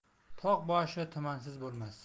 tog' boshi tumansiz bo'lmas